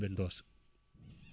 ɓe doosa